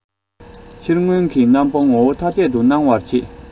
ཕྱིར མངོན གྱི རྣམ པ ངོ བོ ཐ དད དུ སྣང བར བྱེད